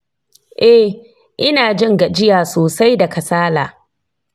eh, ina jin gajiya sosai da kasala.